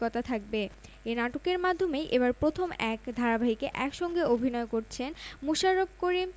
কক্ষে রাখার প্রয়োজন হয় চিকিৎসকরা বলছেন সমস্ত শরীরের ইমেজিং করা সম্ভব হলে অবশ্যই এটা চিকিৎসাক্ষেত্রে একটি যুগান্তকারী উদ্ভাবন হবে